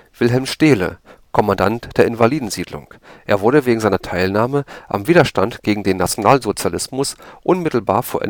Wilhelm Staehle, Kommandant der Invalidensiedlung, er wurde wegen seiner Teilnahme am Widerstand gegen den Nationalsozialismus unmittelbar vor